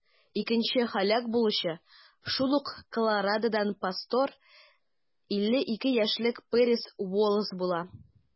Икенче һәлак булучы шул ук Колорадодан пастор - 52 яшьлек Пэрис Уоллэс була.